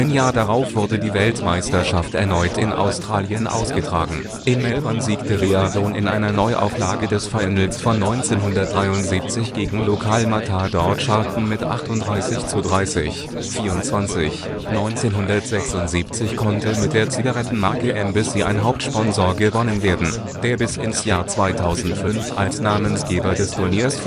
Jahr darauf wurde die Weltmeisterschaft erneut in Australien ausgetragen. In Melbourne siegte Reardon in einer Neuauflage des Finals von 1973 gegen Lokalmatador Charlton mit 38:30. 1976 konnte mit der Zigarettenmarke Embassy ein Hauptsponsor gewonnen werden, der bis ins Jahr 2005 als Namensgeber des Turniers